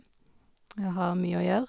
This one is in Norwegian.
Jeg har mye å gjøre.